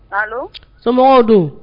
Allo somɔgɔw dun